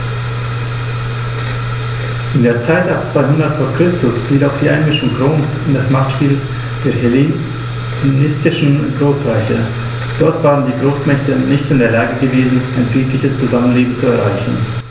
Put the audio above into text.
In die Zeit ab 200 v. Chr. fiel auch die Einmischung Roms in das Machtspiel der hellenistischen Großreiche: Dort waren die Großmächte nicht in der Lage gewesen, ein friedliches Zusammenleben zu erreichen.